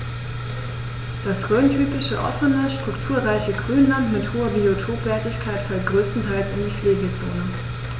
Das rhöntypische offene, strukturreiche Grünland mit hoher Biotopwertigkeit fällt größtenteils in die Pflegezone.